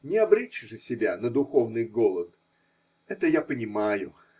Не обречь же себя на духовный голод. Это я понимаю.